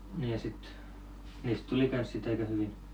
niin ja sitten niistä tuli kanssa sitten aika hyvin